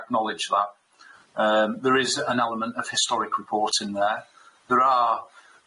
acknowledge that yym there is an element of historic reporting there there are